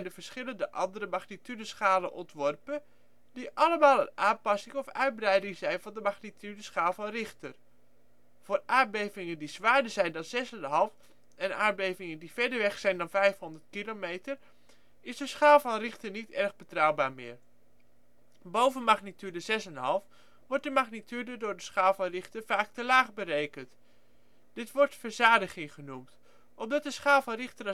verschillende andere magnitudeschalen ontworpen die allemaal een aanpassing of uitbreiding zijn van de magnitudeschaal van Richter. Voor aardbevingen die zwaarder zijn dan 6,5 en aardbevingen die verder weg zijn dan 500 km is de schaal van Richter niet erg betrouwbaar meer. Boven magnitude 6,5 wordt de magnitude door de schaal van Richter vaak te laag berekend. Dit wordt verzadiging genoemd. Omdat de schaal van Richter